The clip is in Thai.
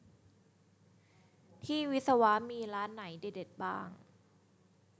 ที่วิศวะมีร้านไหนเด็ดเด็ดบ้าง